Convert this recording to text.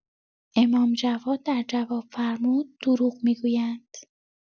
امام جواد در جواب فرمود: دروغ می‌گویند!